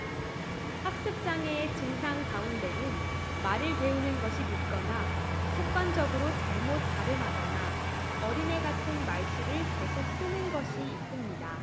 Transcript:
학습 장애의 증상 가운데는 말을 배우는 것이 늦거나 습관적으로 잘못 발음하거나 어린애 같은 말투를 계속 쓰는 것이 있습니다